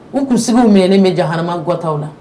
U kunsigiw minɛnen bɛ jahanama gataw la